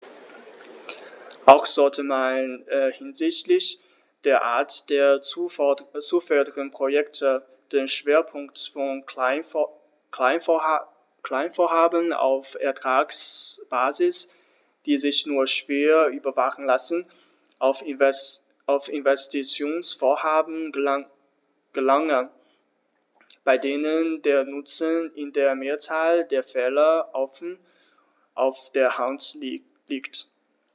Auch sollte man hinsichtlich der Art der zu fördernden Projekte den Schwerpunkt von Kleinvorhaben auf Ertragsbasis, die sich nur schwer überwachen lassen, auf Investitionsvorhaben verlagern, bei denen der Nutzen in der Mehrzahl der Fälle offen auf der Hand liegt.